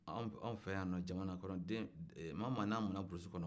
aw fɛ yan no jamana kɔnɔ den e mama na mɔna burusu kɔnɔ